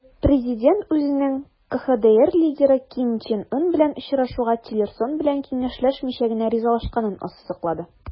Президент үзенең КХДР лидеры Ким Чен Ын белән очрашуга Тиллерсон белән киңәшләшмичә генә ризалашканын ассызыклады.